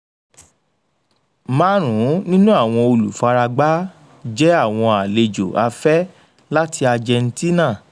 Márùn-ún nínu àwọn olùfaragbá jẹ́ àwọn àlejò afẹ́ láti Argentina.